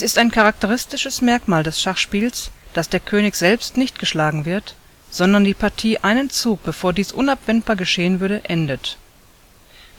ist ein charakteristisches Merkmal des Schachspiels, dass der König selbst nicht geschlagen wird, sondern die Partie einen Zug, bevor dies unabwendbar geschehen würde, endet.